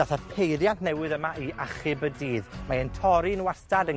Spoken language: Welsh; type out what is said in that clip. dath y peiriant newydd yma i achub y dydd. Mae e'n torri'n wastad, yn